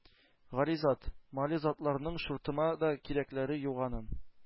-гализат, мализатларыңның чуртыма да кирәкләре юк аның.